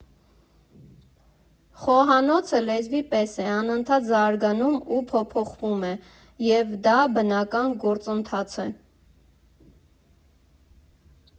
Խոհանոցը լեզվի պես է, անընդհատ զարգանում ու փոփոխվում է, և դա բնական գործընթաց է։